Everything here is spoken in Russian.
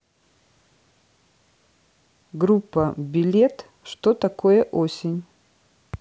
группа билет что такое осень